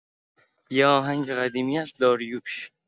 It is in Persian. یه آهنگ قدیمی از داریوش